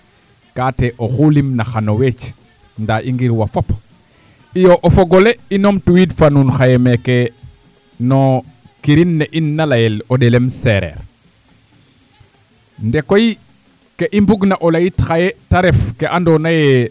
kaate oxu limna xano weec nda i ngirwa fop iyo o fog ole i numtiwiid fa nuun meeke no kirin ne in na layel o ɗelem Seereer nde koy ke i mbugna o liyit xaye te ref ke andoona yee